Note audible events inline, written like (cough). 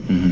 (hesitation) (hesitation)